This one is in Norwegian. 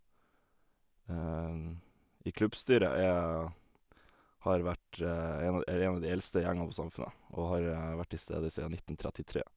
i Klubbstyret er har vært en av de er en av de eldste gjengene på Samfundet, og har vært til stede siden nitten trettitre.